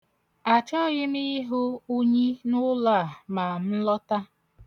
Achọghị ịhụ unyi n'ụlọ a ma m lọta.